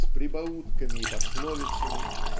с прибаутками и пословицами